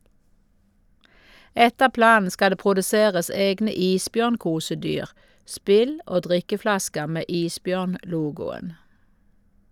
Etter planen skal det produseres egne isbjørnkosedyr, spill og drikkeflasker med isbjørnlogoen.